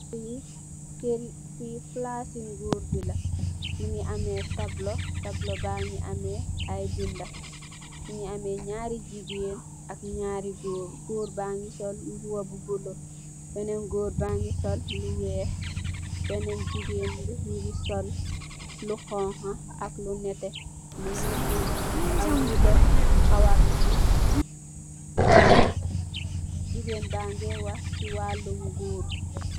Fii palaas i,nguur bi la, mu ngi amee tabla, tabla la bi mu ngi amee ay bindë. Mu ngi amee ñarri jigéen ak goor. Goor baa ngi sol mbuba bu bulo, benen góor baa ngi sol lu weex, benen jigéen bi mu ngi sol lu xoñga, ak lu nétté. Mu ngi def kawar bu ñuul. Jigeen baa ngee, wax si waalum..